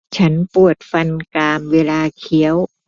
ฉันปวดฟันกรามเวลาเคี้ยว